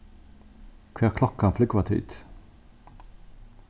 hvat klokkan flúgva tit